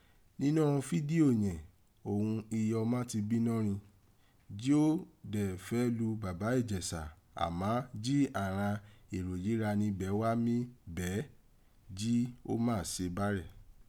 Ninọ́ fídíò yẹn oghun iye ọma ti binọ́ rin, ji o dẹn fẹ́ lù Bábà Ijesha amá jí àghan èrò èyí gha nibẹ̀ wa mí bẹ̀ ẹ́ jí ó máà se bárẹ̀.